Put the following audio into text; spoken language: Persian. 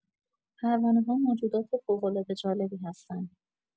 پروانه‌ها موجودات فوق‌العاده جالبی هستن!